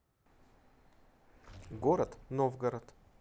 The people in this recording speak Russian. город новгород